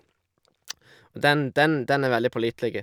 Og den den den er veldig pålitelig.